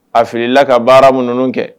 A filila ka baara minnu kɛ